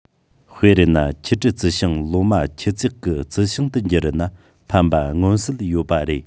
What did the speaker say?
དཔེར ན འཁྱུད དཀྲི རྩི ཤིང ལོ མ འཁྱུད འཛེག གི རྩི ཤིང དུ གྱུར ན ཕན པ མངོན གསལ ཡོད པ རེད